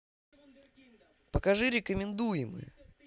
покажи рекомендуемое